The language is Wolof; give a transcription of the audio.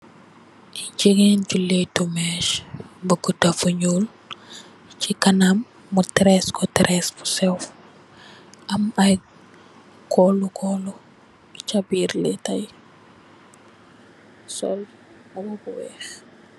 Jigeen ju lettu mess bukutu fu nuul si kanam bex terss ko terss bu siw am ay kul kulu sax birr letai sol mbuba bu weex.